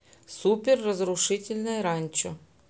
супер разрушительное ранчо